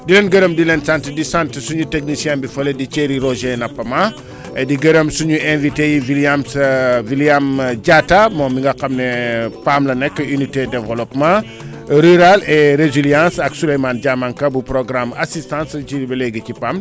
di leen gërëm di leen sant di sant suñu technicien bi fële di Thierry Roger Napama di gërëm suñuy invité yi William William Diatta moom mi nga xam ne PAM la nekk unité développement rural et résiliance ak Souleymane Diamanka bu programme assistance ci ba léegi ci PAM